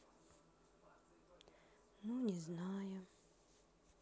ну не знаю